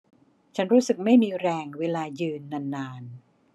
ฉันรู้สึกไม่มีแรงเวลายืนนานนาน